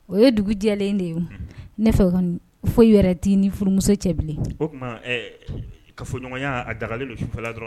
O ye dugujɛlen de ye ne fɛ kɔni foyi yɛrɛ tɛ ni furumuso cɛ bilen o tuma ka fɔɲɔgɔnya a daga kala dɔrɔn